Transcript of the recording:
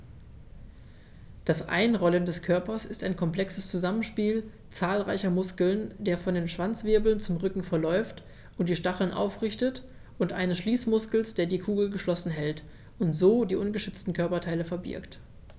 Das Einrollen des Körpers ist ein komplexes Zusammenspiel zahlreicher Muskeln, der von den Schwanzwirbeln zum Rücken verläuft und die Stacheln aufrichtet, und eines Schließmuskels, der die Kugel geschlossen hält und so die ungeschützten Körperteile verbirgt.